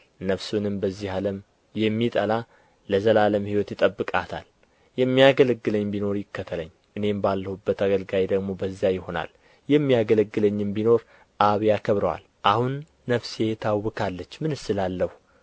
ነፍሱንም በዚህ ዓለም የሚጠላ ለዘላለም ሕይወት ይጠብቃታል የሚያገለግለኝ ቢኖር ይከተለኝ እኔም ባለሁበት አገልጋዬ ደግሞ በዚያ ይሆናል የሚያገለግለኝም ቢኖር አብ ያከብረዋል አሁን ነፍሴ ታውካለች ምንስ እላለሁ